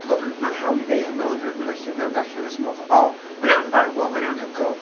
Dwi'n gwybod mae'n hawdd i ddeud oherwydd mae 'na lyfr- llyfrau'n dod allan ac mae pobl fatha "o mae'n anfarwol mae'n anhygoel".